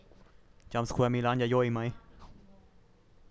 จามสแควร์มีร้านยาโยอิไหม